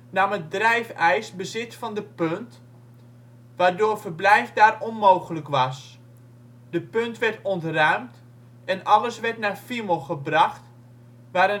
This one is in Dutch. nam het drijfijs bezit van de Punt, waardoor verblijf daar onmogelijk was. De Punt werd ontruimd en alles werd naar Fiemel gebracht, waar